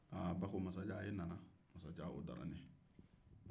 ba ko masajan e nana o diyara ne ye